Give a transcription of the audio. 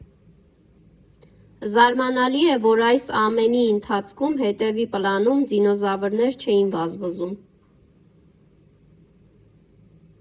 Զարմանալի է, որ այս ամենի ընթացքում հետևի պլանում դինոզավրեր չէին վազվզում։